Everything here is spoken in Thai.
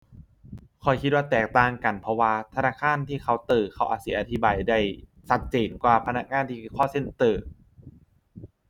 ข้อยคิดว่าแตกต่างกัน เพราะว่าธนาคารที่เคาน์เตอร์เขาอาจสิอธิบายได้ชัดเจนกว่าพนักงานที่ call center